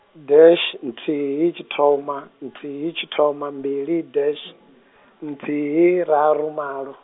dash nthihi tshithoma, nthihi tshithoma mbili dash, nthihi raru malo.